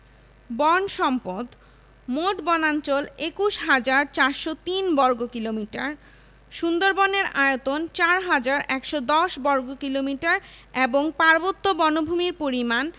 বন সম্পদঃ মোট বনাঞ্চল ২১হাজার ৪০৩ বর্গ কিলোমিটার সুন্দরবনের আয়তন ৪হাজার ১১০ বর্গ কিলোমিটার এবং পার্বত্য বনভূমির পরিমাণ